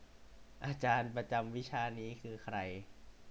อาจารย์ประจำวิชานี้คือใคร